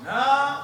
Naa